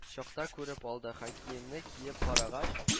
Чакта күреп алды һәм киемне киеп карагач